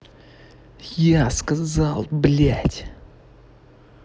я сказал блять